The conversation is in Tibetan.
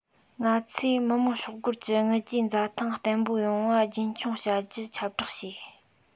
ང ཚོས མི དམངས ཤོག སྒོར གྱི དངུལ བརྗེས འཛའ ཐང བརྟན པོ ཡོང བ རྒྱུན འཁྱོངས བྱ རྒྱུ ཁྱབ བསྒྲགས བྱས